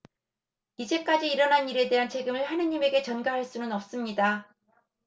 이제까지 일어난 일에 대한 책임을 하느님에게 전가할 수는 없습니다